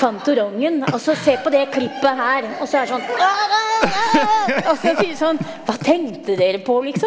Fantorangen, altså se på det klippet her også er det sånn også sier du sånn, hva tenkte dere på liksom?